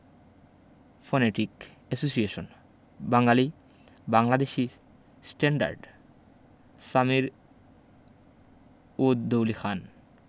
phonetic association Bangali Bangladeshi standard Samir Ud Doul Khan